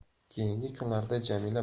keyingi kunlarda jamila